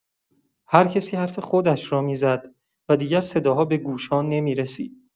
هرکسی حرف خودش را می‌زد و دیگر صداها به گوش‌ها نمی‌رسید.